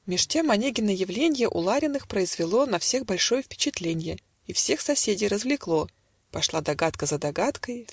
Меж тем Онегина явленье У Лариных произвело На всех большое впечатленье И всех соседей развлекло. Пошла догадка за догадкой.